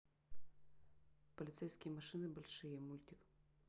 полицейские машины большие мультик